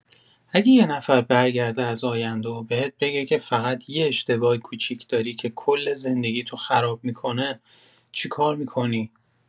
اگه یه نفر برگرده از آینده و بهت بگه که فقط یه اشتباه کوچیک داری که کل زندگیتو خراب می‌کنه، چی کار می‌کنی؟